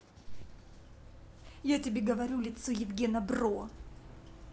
я тебе говорю лицо евгена бро